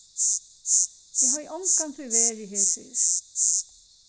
eg havi ongantíð verið her fyrr